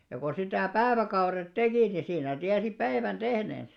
ja kun sitä päiväkaudet teki niin siinä tiesi päivän tehneensä